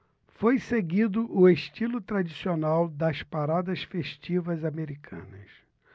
foi seguido o estilo tradicional das paradas festivas americanas